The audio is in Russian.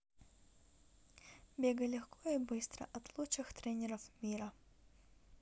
бегай легко и быстро от лучших тренеров мира